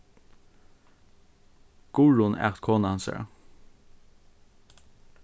guðrun æt kona hansara